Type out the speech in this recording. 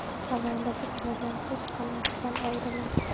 avaylab uchmagan qush qanotidan ayrilar